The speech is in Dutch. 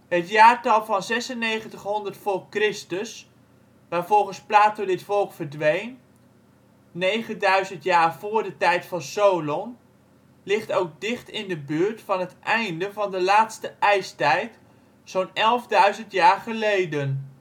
Het jaartal van 9600 v.Chr. waar volgens Plato dit volk verdween (" 9000 jaar vóór de tijd van Solon "), ligt ook dicht in de buurt van het einde van de laatste ijstijd, zo 'n 11.000 jaar geleden